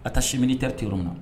A taa si minili tɛre te yɔrɔ min na